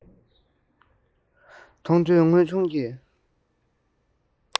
མཐོང ཐོས དངོས བྱུང གི